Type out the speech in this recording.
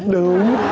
đúng